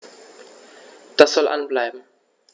Das soll an bleiben.